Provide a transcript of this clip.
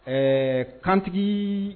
Ɛɛ kantigi